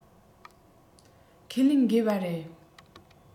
ཁས ལེན འགོས པ རེད